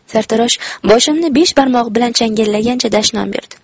sartarosh boshimni besh barmog'i bilan changallagancha dashnom berdi